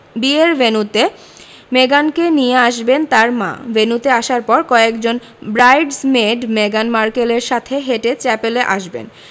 বিয়ের ভেন্যুতে মেগানকে নিয়ে আসবেন তাঁর মা ভেন্যুতে আসার পর কয়েকজন ব্রাইডস মেড মেগান মার্কেলের সাথে হেঁটে চ্যাপেলে আসবেন